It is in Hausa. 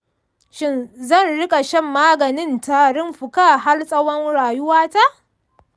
shin zan rika shan maganin tarin fuka har tsawon rayuwata?